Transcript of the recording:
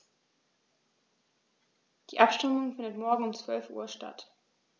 Die Abstimmung findet morgen um 12.00 Uhr statt.